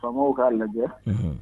Faamaw k'a lajɛ